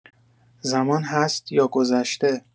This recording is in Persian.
زمان هست یا گذشته؟